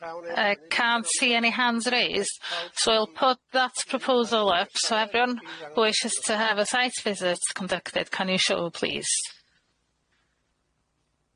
I can't see any hands raised so I'll put that proposal up so everyone who wishes to have a sight visit conducted can you show please?